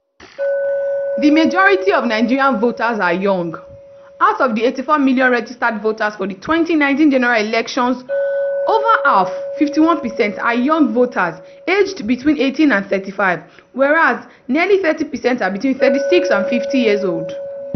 The majority of Nigerian voters are young. Out of the 84 million registered voters for the 2019 General Elections, over half — 51 percent — are young voters aged between 18 and 35, whereas nearly 30 percent are between 36 and 50 years old.